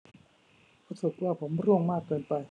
รู้สึกว่าผมร่วงมากเกินไป